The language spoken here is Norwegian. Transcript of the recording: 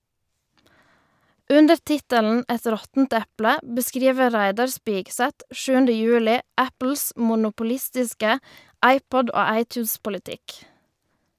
Under tittelen "Et råttent eple" beskriver Reidar Spigseth 7. juli Apples monopolistiske iPod- og iTunes-politikk.